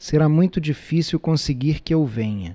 será muito difícil conseguir que eu venha